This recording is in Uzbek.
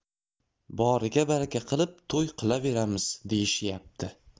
boriga baraka qilib to'y qilaveramiz deyishyapti